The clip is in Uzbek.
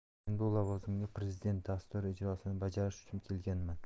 men bu lavozimga prezident dasturi ijrosini bajarish uchun kelganman